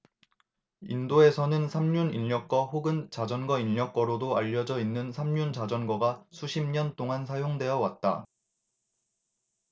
인도에서는 삼륜 인력거 혹은 자전거 인력거로도 알려져 있는 삼륜 자전거가 수십 년 동안 사용되어 왔다